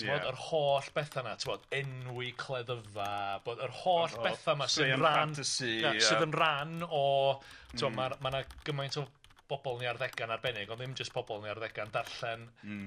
T'mod yr holl betha 'na t'wod enwi cleddyf a bod yr holl betha 'ma sy'n ran... Straeon ffantasi a... na sydd yn rhan o t'wo' ma'r ma' 'na gymaint o bobol yn 'u arddega'n arbennig on' ddim jyst pobol yn eu arddega'n darllen. Mm.